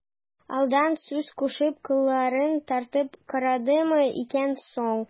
Алдан сүз кушып, кылларын тартып карадымы икән соң...